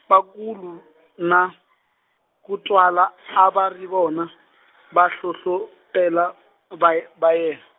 Vukulu na, Kutwala a va ri vona, vahlohlo- ela va va yen-.